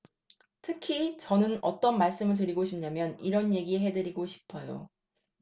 특히 저는 어떤 말씀 드리고 싶냐하면 이런 얘기 해드리고 싶어요